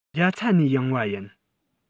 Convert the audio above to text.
རྒྱ ཚ ནས ཡོང བ ཡིན